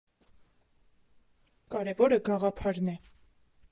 Կարևորը գաղափարն է։